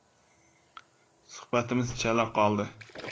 suhbatimiz chala qoldi